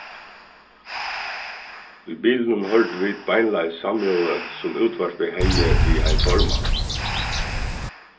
í bilinum hoyrdu vit beinleiðis samrøðu sum útvarpið hevði við ein formann